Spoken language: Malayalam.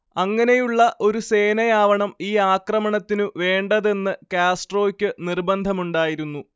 അങ്ങനെയുള്ള ഒരു സേനയാവണം ഈ ആക്രമണത്തിനു വേണ്ടതെന്ന് കാസ്ട്രോയക്ക് നിർബന്ധമുണ്ടായിരുന്നു